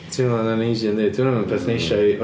Teimlo'n uneasy yndi. 'Di hwnna ddim y peth neisa i-